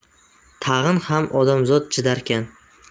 tag'in ham odamzod chidarkan